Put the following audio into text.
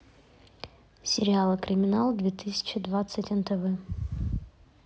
сериалы криминал две тысячи двадцать нтв